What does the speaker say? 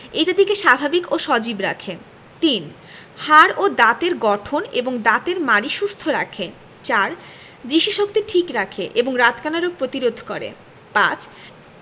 ইত্যাদিকে স্বাভাবিক ও সজীব রাখে ৩. হাড় এবং দাঁতের গঠন এবং দাঁতের মাড়ি সুস্থ রাখে ৪. দৃষ্টিশক্তি ঠিক রাখে এবং রাতকানা রোগ প্রতিরোধ করে ৫.